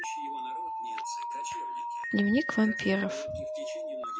дневник вампиров